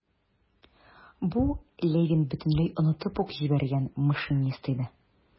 Бу - Левин бөтенләй онытып ук җибәргән машинист иде.